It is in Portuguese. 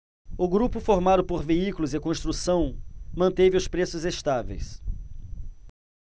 o grupo formado por veículos e construção manteve os preços estáveis